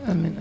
amiin